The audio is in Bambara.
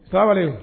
Sari